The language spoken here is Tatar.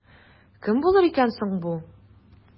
Кем булыр икән соң бу?